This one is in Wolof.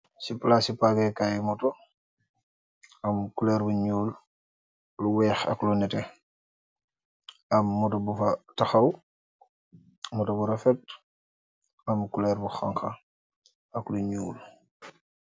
Cii plassi paageh kai motor, yu am couleur yu njull, lu wekh ak lu nehteh, am motor bufa takhaw, motor bu rafet, am couleur bu honha ak lu njull.